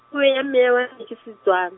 puo ya me wa e ke Setswana.